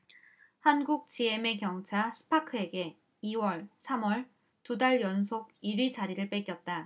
한국지엠의 경차 스파크에게 이 월 삼 월 두 달 연속 일 위 자리를 뺏겼다